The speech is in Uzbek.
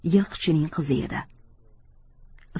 yilqichining qizi edi